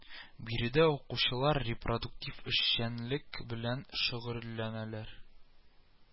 Биредә укучылар репродуктив эшчәнлек белән шөгыльләнәләр